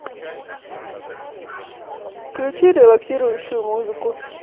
включи релаксирующую музыку